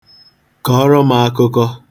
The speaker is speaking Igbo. Kọọrọ m akụkọ.